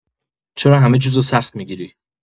چرا همه چیزو سخت می‌گیری؟